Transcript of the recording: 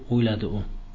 deb uyladi u